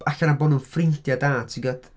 Ella am eu bod nhw'n ffrindiau da ti'n gwybod.